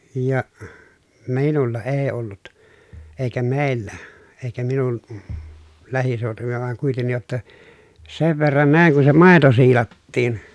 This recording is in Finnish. ja minulla ei ollut eikä meillä eikä minun lähiseutuvilla vaan kuitenkin jotta sen verran näin kun se maito siilattiin